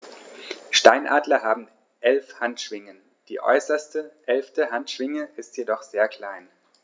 Steinadler haben 11 Handschwingen, die äußerste (11.) Handschwinge ist jedoch sehr klein.